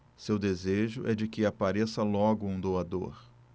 seu desejo é de que apareça logo um doador